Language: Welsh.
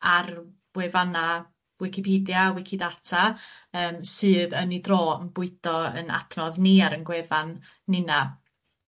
ar wefana Wicipedia, Wicidata yym sydd yn 'u dro yn bwydo 'yn adnodd ni ar 'yn gwefan ninna